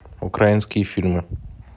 украинские фильмы